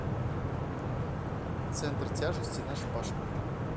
центр тяжести на шпажках